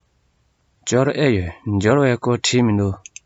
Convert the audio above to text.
འབྱོར ཨེ ཡོད འབྱོར བའི སྐོར བྲིས མི འདུག